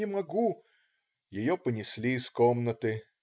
не могу!" Ее понесли из комнаты.